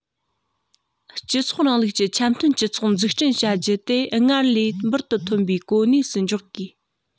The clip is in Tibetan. སྤྱི ཚོགས རིང ལུགས ཀྱི འཆམ མཐུན སྤྱི ཚོགས འཛུགས སྐྲུན བྱ རྒྱུ དེ སྔར ལས འབུར དུ ཐོན པའི གོ གནས སུ འཇོག དགོས